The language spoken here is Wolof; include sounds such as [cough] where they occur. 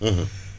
[hesitation] [hesitation]